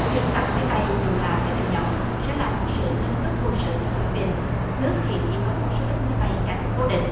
việc tặng máy bay dù là máy bay nhỏ sẽ là một sự nâng cấp quân sự cho phi líp pin nước hiện chỉ có một số ít máy bay cánh cố định